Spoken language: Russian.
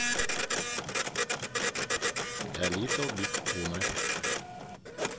little big uno